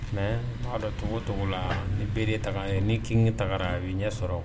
Mɛ'a da to cogo la ni bere taga ni kin tagara i bɛ ɲɛ sɔrɔ